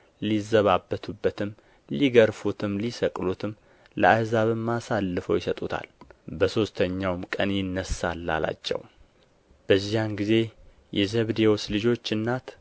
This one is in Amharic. ሊዘባበቱበትም ሊገርፉትም ሊሰቅሉትም ለአሕዛብ አሳልፈው ይሰጡታል በሦስተኛውም ቀን ይነሣል አላቸው በዚያን ጊዜ የዘብዴዎስ ልጆች እናት